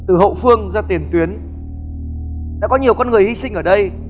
từ hậu phương ra tiền tuyến đã có nhiều con người hi sinh ở đây